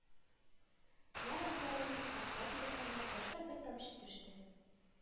Нар абзарының такта түбәсенә башта бер тамчы төште